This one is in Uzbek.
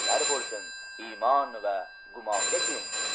shukrlar bo'lsin imon va gumongakim